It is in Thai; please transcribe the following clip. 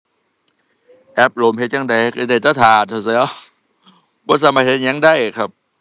แอปล่มเฮ็ดจั่งใด สิได้แต่ท่า บ่สามารถเฮ็ดหยังได้ครับ